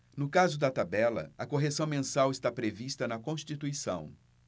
no caso da tabela a correção mensal está prevista na constituição